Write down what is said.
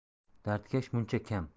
dardkash muncha kam